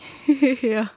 Ja.